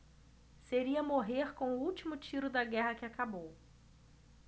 seria morrer com o último tiro da guerra que acabou